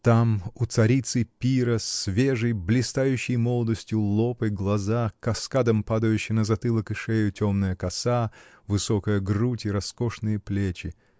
Там, у царицы пира, свежий, блистающий молодостью лоб и глаза, каскадом падающая на затылок и шею темная коса, высокая грудь и роскошные плечи.